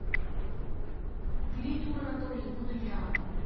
убери тур анатолий буду я